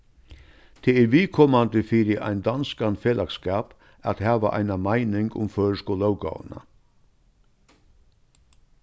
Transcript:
tað er viðkomandi fyri ein danskan felagsskap at hava eina meining um føroysku lóggávuna